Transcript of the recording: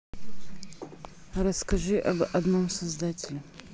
расскажи об одном создателе